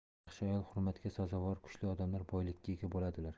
yaxshi ayol hurmatga sazovor kuchli odamlar boylikka ega bo'ladilar